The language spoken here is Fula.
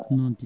noon tigui